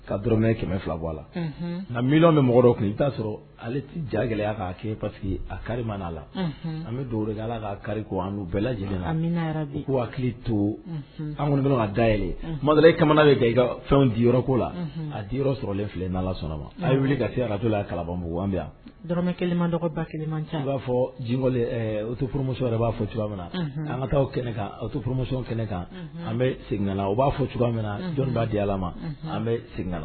Ka dɔrɔmɛ kɛmɛ fila bɔ a la nka mi bɛ mɔgɔ tun i t'a sɔrɔ ale jara gɛlɛyaya k'a kɛ paseke a kari mana a la an bɛ dɔw wɛrɛ la ka kari ko an bɛɛ lajɛlen u ko hakili to an kɔni bɛ ka day madare kamana de bɛ i ka fɛnw di yɔrɔ ko la a di yɔrɔ sɔrɔlen filɛ n' sɔnna ma a ye wili ka se ka to la kalabugu an bi dkɛma dɔgɔda kelen an b'a fɔko otooromuso yɛrɛ b'a fɔ cogoyaura min na an ka taa kɛnɛ otooromuso kɛnɛ kan an bɛ seginana o b'a fɔ cogoya min na dɔnni b'a di ala ma an bɛ segin